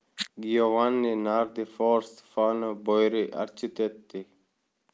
giovanni nardi for stefano boeri architetti